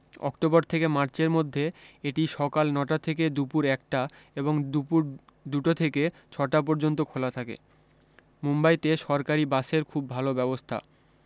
October থেকে মার্চের মধ্যে এটি সকাল নটা থেকে দুপুর একটা এবং দুপুর দুটো থেকে ছটা পর্যন্ত খোলা থাকে মুম্বাইতে সরকারী বাসের খুব ভাল ব্যবস্থা